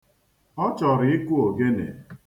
Ọ chọrọ ịkụ ogene.